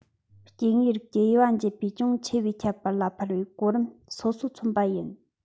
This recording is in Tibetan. སྐྱེ དངོས རིགས ཀྱི དབྱེ བ འབྱེད པའི ཅུང ཆེ བའི ཁྱད པར ལ འཕར བའི གོམ རིམ སོ སོ མཚོན པ ཡིན